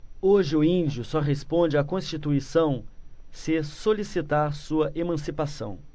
hoje o índio só responde à constituição se solicitar sua emancipação